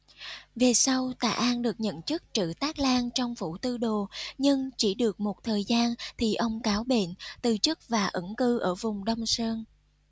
về sau tạ an được nhận chức trữ tác lang trong phủ tư đồ nhưng chỉ được một thời gian thì ông cáo bệnh từ chức và ẩn cư ở vùng đông sơn